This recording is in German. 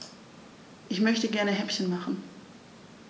Ich möchte gerne Häppchen machen.